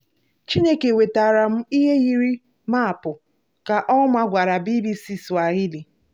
Chineke wetara m ihe yiri maapụ, ka Ouma gwara BBC Swahili.